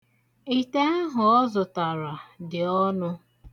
Ite ahụ ọ zụtara dị ọnụ.